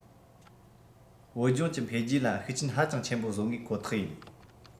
བོད ལྗོངས ཀྱི འཕེལ རྒྱས ལ ཤུགས རྐྱེན ཧ ཅང ཆེན པོ བཟོ ངེས ཁོ ཐག ཡིན